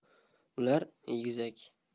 ular egizak